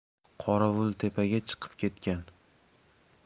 qorovultepaga chiqib ketgan